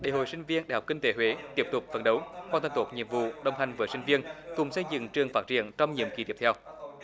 để hội sinh viên đại học kinh tế huế tiếp tục phấn đấu hoàn thành tốt nhiệm vụ đồng hành với sinh viên cùng xây dựng trường phát triển trong nhiệm kỳ tiếp theo